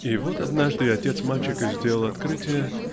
И вот однажды отец мальчика сделал открытие